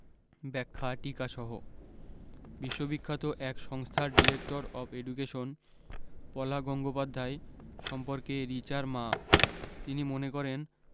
ব্যাখ্যা টীকা সহ বিশ্ব বিখ্যাত এক সংস্থার director of education Paula Gangopadhyay সম্পর্কে রিচার মা তিনি মনে করেন